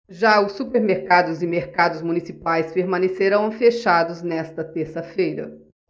já os supermercados e mercados municipais permanecerão fechados nesta terça-feira